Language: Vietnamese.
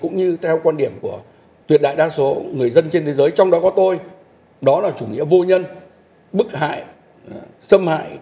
cũng như theo quan điểm của tuyệt đại đa số người dân trên thế giới trong đó có tôi đó là chủ nghĩa vô nhân bức hại xâm hại